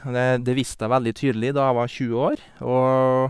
Og det det visste jeg veldig tydelig da jeg var tjue år, og...